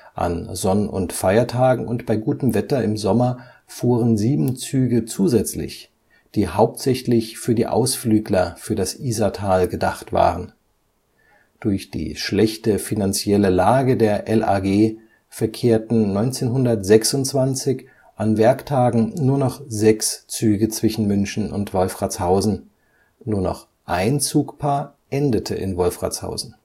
An Sonn - und Feiertagen und bei gutem Wetter im Sommer fuhren sieben Züge zusätzlich, die hauptsächlich für die Ausflügler für das Isartal gedacht waren. Durch die schlechte finanzielle Lage der LAG verkehrten 1926 an Werktagen nur noch sechs Züge zwischen München und Wolfratshausen, nur noch ein Zugpaar endete in Wolfratshausen